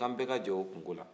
k'anw bɛɛ ka jɛ o kunko la